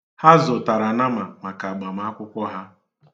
Ha zụtara nama maka agbamakwụkwọ ha.